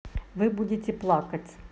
вы будете плакать